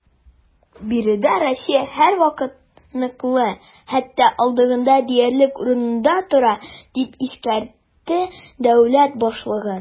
Биредә Россия һәрвакыт ныклы, хәтта алдынгы диярлек урыннарда тора, - дип искәртте дәүләт башлыгы.